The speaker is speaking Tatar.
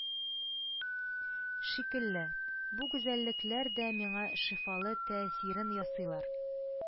Шикелле, бу гүзәллекләр дә миңа шифалы тәэсирен ясыйлар,